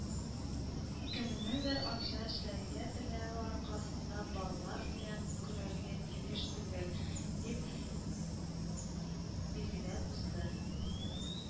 “кемнеңдер акча эшләргә теләве аркасында балалар зыян күрергә тиеш түгел”, - дип билгеләп узды.